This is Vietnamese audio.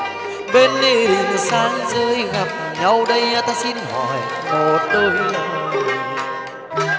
bên ý sang chơi gặp nhau đây ta xin hỏi một câu à